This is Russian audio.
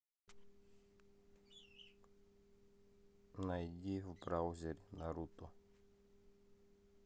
найди в браузере наруто